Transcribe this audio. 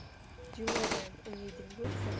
jumadan umiding bo'lsa